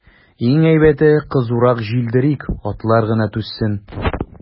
Иң әйбәте, кызурак җилдерик, атлар гына түзсен.